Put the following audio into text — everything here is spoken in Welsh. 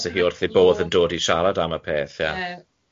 'se hi wrth ei bodd yn dod i siarad am y peth ie.